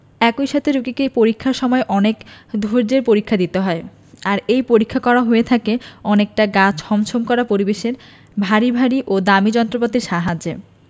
একই সাথে রোগীকে পরীক্ষার সময় অনেক ধৈর্য্যের পরীক্ষা দিতে হয় আর এই পরীক্ষা করা হয়ে থাকে অনেকটা গা ছমছম করা পরিবেশে ভারী ভারী ও দামি যন্ত্রপাতির সাহায্যে